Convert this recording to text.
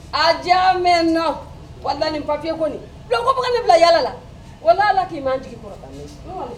A jaa mɛn nɔn wala ni papiye bulon bila yalala walala k'i man tigi kɔrɔ